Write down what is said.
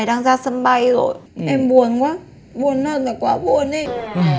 đang ra sân bay rồi em buồn quá buồn nao là quá buồn ý